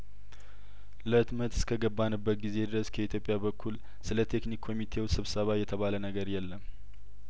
ለህትመት እስከገባንበት ጊዜ ድረስ ከኢትዮጵያ በኩል ስለቴክኒክ ኮሚቴው ስብሰባ የተባለነገር የለም